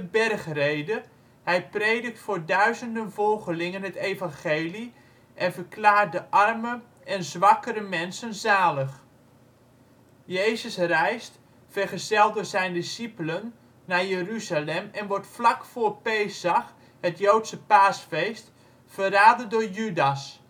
Bergrede, hij predikt voor duizenden volgelingen het evangelie en verklaart de armen en zwakkere mensen zalig. Jezus reist, vergezeld door zijn discipelen naar Jeruzalem en wordt vlak voor Pesach (Joodse Paasfeest) verraden door Judas